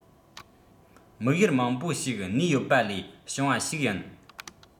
དམིགས ཡུལ མང པོ ཞིག གནས ཡོད པ ལས བྱུང བ ཞིག ཡིན